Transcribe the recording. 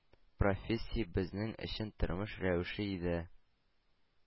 Профессия – безнең өчен тормыш рәвеше иде.